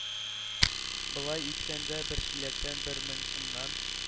Болай иткәндә, бер чиләктән бер мең сумнан